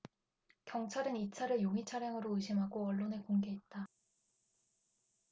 경찰은 이 차를 용의 차량으로 의심하고 언론에 공개했다